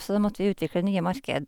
Så da måtte vi utvikle nye marked.